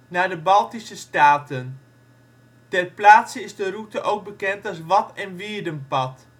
naar de Baltische staten. Ter plaatse is de route ook bekend als Wad - en Wierdenpad